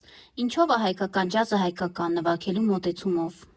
Ինչո՞վ ա հայկական ջազը հայկական՝ նվագելու մոտեցումով։